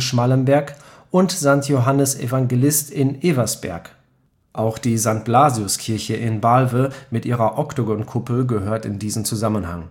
Schmallenberg und St. Johannes Evangelist in Eversberg. Auch die St.-Blasius-Kirche in Balve mit ihrer Oktogonkuppel gehört in diesen Zusammenhang